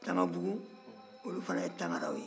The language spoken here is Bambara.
tangabugu olu fana ye tangaraw ye